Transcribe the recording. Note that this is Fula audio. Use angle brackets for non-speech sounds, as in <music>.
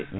<hesitation> <hesitation>